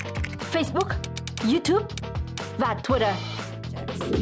phây búc iu túp và thua đờ